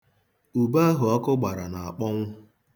Ube ahụ ọkụ gbara na-akpọnwụ.